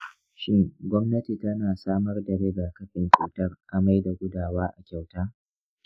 shin gwamnati ta na samar da riga-kafin cutar amai da gudawa a kyauta?